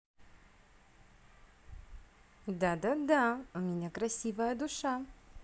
да да да у меня красивая душа